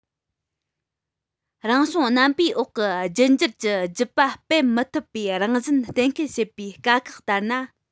རང བྱུང རྣམ པའི འོག གི རྒྱུད འགྱུར གྱི རྒྱུད པ སྤེལ མི ཐུབ པའི རང བཞིན གཏན འཁེལ བྱེད པའི དཀའ ཁག ལྟར ན